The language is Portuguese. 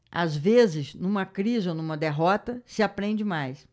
às vezes numa crise ou numa derrota se aprende mais